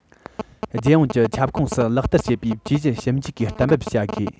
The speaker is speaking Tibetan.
རྒྱལ ཡོངས ཀྱི ཁྱབ ཁོངས སུ ལག བསྟར བྱེད པའི ཇུས གཞི ཞིབ འཇུག གིས གཏན འབེབས བྱ དགོས